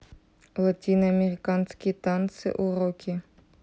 латиноамериканские танцы уроки